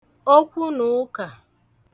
okwunụ̀ụkà